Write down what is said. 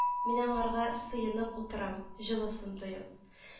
Мин аңарга сыенып утырам, җылысын тоеп